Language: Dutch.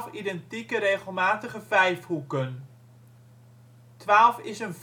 identieke regelmatige vijfhoeken. Twaalf is een vijfhoeksgetal